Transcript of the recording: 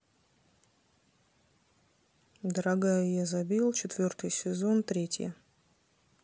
дорогая я забил четвертый сезон третья